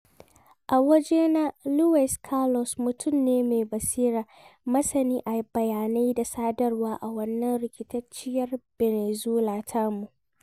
A wajena, Luis Carlos mutum ne mai basira, masani a bayanai da sadarwa a wannan rikirkitacciyar ɓenezuelan tamu.